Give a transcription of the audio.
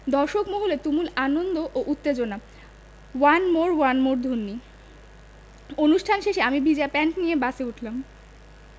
দর্শক মহলে তুমুল আনন্দ ও উত্তেজনা ওয়ান মোর ওয়ান মোর ধ্বনি অনুষ্ঠান শেষে আমি ভিজা প্যান্ট নিয়ে বাসে উঠলাম